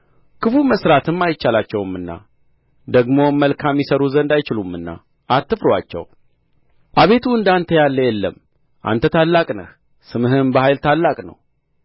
ክፉ መሥራትም አይቻላቸውምና ደግምም መልካም ይሠሩ ዘንድ አይችሉምና አትፍሩአቸው አቤቱ እንደ አንተ ያለ የለም አንተ ታላቅ ነህ ስምህም በኃይል ታላቅ ነው